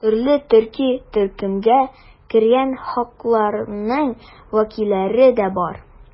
Төрле төрки төркемгә кергән халыкларның вәкилләре дә бар.